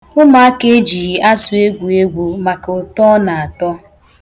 Ụmụaka ejighi azụ egwụ egwụ maka ụtọ ọ na-atọ.